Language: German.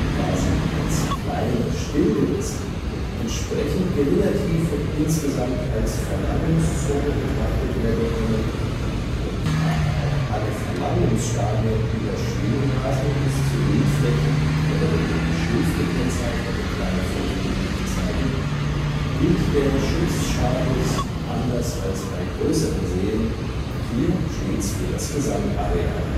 Da sie als kleine Stillgewässer mit entsprechend geringer Tiefe insgesamt als Verlandungszone betrachtet werden können (und daher auch alle Verlandungsstadien über Schwingrasen bis zu Riedflächen oder durch Schilf gekennzeichnete kleine Feuchtgebiete zeigen), gilt der Schutzstatus, anders als bei größeren Seen, hier stets für das Gesamtareal